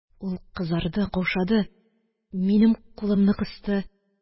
Ул кызарды, каушады. Минем кулымны кысты